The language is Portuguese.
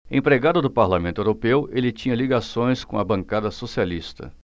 empregado do parlamento europeu ele tinha ligações com a bancada socialista